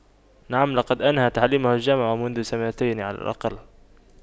نعم لقد أنهى تعليمه الجامعي منذ سنتين على الأقل